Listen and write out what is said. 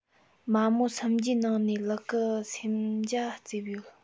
མ མོ སུམ བརྒྟའི ནང ནས ལུ གུ སོམ བརྒྱ རྩེབས ཡོད